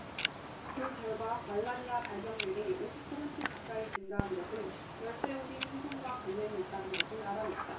그 결과 말라리아 발병률이 오십 퍼센트 가까이 증가한 것은 열대 우림 훼손과 관련이 있다는 것을 알아냈다